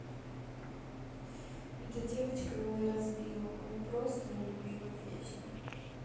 эта девочка меня разбила она просто не любила песню